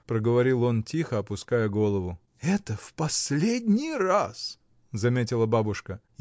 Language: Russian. — проговорил он тихо, опуская голову. — Это в последний раз! — заметила бабушка.